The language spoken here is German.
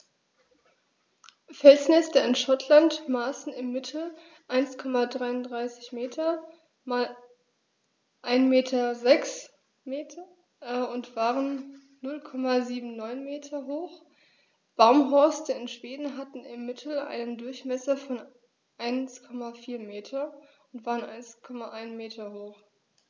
Felsnester in Schottland maßen im Mittel 1,33 m x 1,06 m und waren 0,79 m hoch, Baumhorste in Schweden hatten im Mittel einen Durchmesser von 1,4 m und waren 1,1 m hoch.